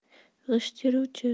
g'isht teruvchi